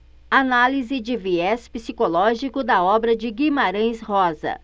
análise de viés psicológico da obra de guimarães rosa